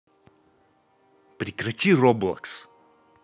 прекрати роблокс